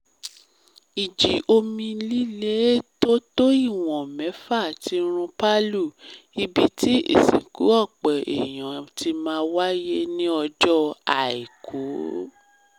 Ìjì omi líle tó tó ìwọn mẹ́fà ti run Palu; ibi tí ìsìnkú ọ̀pọ̀ èèyàn ti máa wáyé ní ọjọ́ Àìkú.